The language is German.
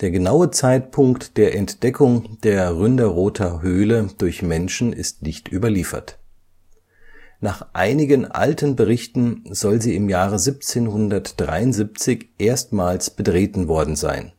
genaue Zeitpunkt der Entdeckung der Ründerother Höhle durch Menschen ist nicht überliefert. Nach einigen alten Berichten soll sie im Jahre 1773 erstmals betreten worden sein